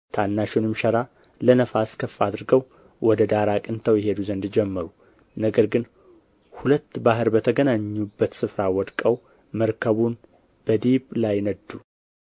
ታናሹንም ሸራ ለነፋስ ከፍ አድርገው ወደ ዳር አቅንተው ይሄዱ ዘንድ ጀመሩ ነገር ግን ሁለት ባሕር በተገናኙበት ስፍራ ወድቀው መርከቡን በዲብ ላይ ነዱ